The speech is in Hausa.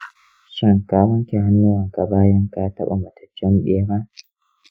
shin ka wanke hannuwanka bayan ka taɓa mataccen bera?